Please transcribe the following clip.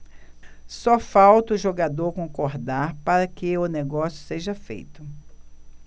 só falta o jogador concordar para que o negócio seja feito